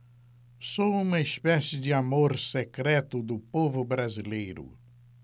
sou uma espécie de amor secreto do povo brasileiro